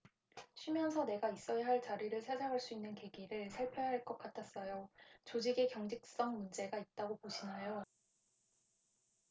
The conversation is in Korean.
쉬면서 내가 있어야 할 자리를 찾아갈 수 있는 계기를 살펴야 할 것 같았어요 조직의 경직성 문제가 있다고 보시나요